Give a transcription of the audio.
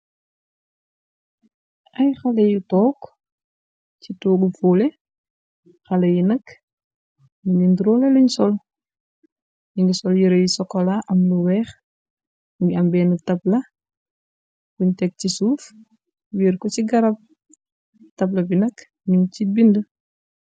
Xale yu toog, ci ay toogu foleh. Xale yi nak, ñu ngi niroleh luñ sol. Ñu ngi sol yire yu socola am lu weex, mungi am benn tabla buñ teg ci suuf weer ko ci garab, tablabi nak ñung ci bind.